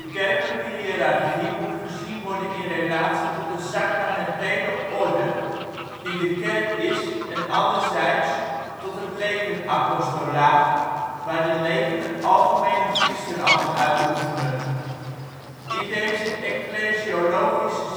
kerkelijke hiërarchie moet gezien worden in relatie tot de sacramentele orde, die de Kerk is en anderzijds tot het lekenapostolaat, waar de leken het algemene priesterambt uitoefenen. In deze ecclesiologische